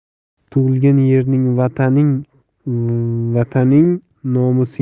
tug'ilgan yering vataning vataning nomusing